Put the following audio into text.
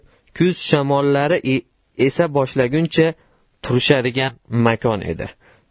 kuz shamollari esa boshlaguncha turishadigan makon edi